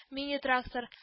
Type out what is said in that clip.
Мини-трактор